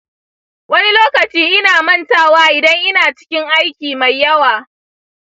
wani lokaci ina mantawa idan ina cikin aiki mai yawa.